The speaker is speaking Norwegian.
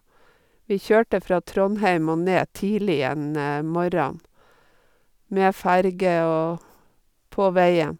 Vi kjørte fra Trondheim og ned tidlig en morgen, med ferge og på veien.